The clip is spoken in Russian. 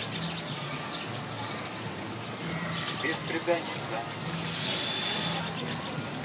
бесприданица